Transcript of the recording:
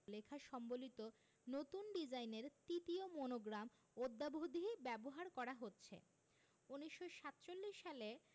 লেখা সম্বলিত নতুন ডিজাইনের তৃতীয় মনোগ্রাম অদ্যাবধি ব্যবহার করা হচ্ছে ১৯৪৭ সালে